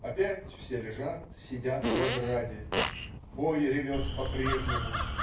Опять все лежат, сидят в ограде. Бой ревет по-прежнему.